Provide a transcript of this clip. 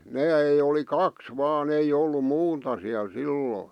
nämä ei oli kaksi vain ei ollut muuta siellä silloin